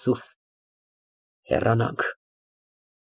Սուս հեռանանք։